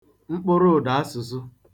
mkpụrụụ̀dàsụ̀sụ